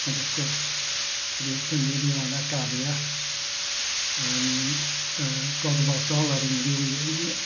Ond wrth gwrs bryd hynny mi oedd 'na gafiat gorfodol ar unrhyw un.